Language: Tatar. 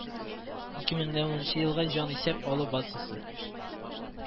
Ике мең дә уникенче елгы җанисәп алу базасы